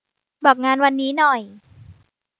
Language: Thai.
บอกงานวันนี้หน่อย